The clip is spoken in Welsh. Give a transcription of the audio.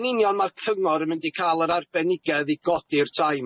yn union ma'r cyngor yn mynd i ca'l yr arbenigedd i godi'r tai